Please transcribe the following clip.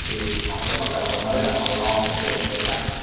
thì họ sẽ bắt đầu họ nới ra họ lo mấy cái hồ sơ khác